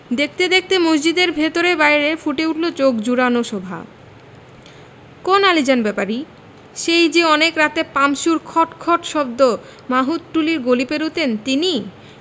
দেখতে দেখতে মসজিদের ভেতরে বাইরে ফুটে উঠলো চোখ জুড়োনো শোভা কোন আলীজান ব্যাপারী সেই যে অনেক রাতে পাম্পসুর খট খট শব্দ মাহুতটুলির গলি পেরুতেন তিনি